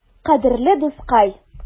Кадерле дускай!